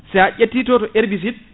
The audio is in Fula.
sa ƴetti to to herbicide